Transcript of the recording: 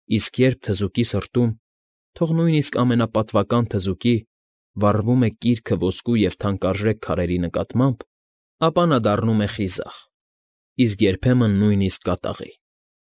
Իսկ երբ թզուկի սրտում, թող նույնիսկ ամենապատվական թզուկի, վառվում է կիրքը ոսկու և թանկարժեք քարերի նկատմամբ, ապա նա դառնում է խիզախ, իսկ երբեմն նույնիսկ կատաղի։